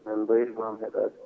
men bayrimama heeɗade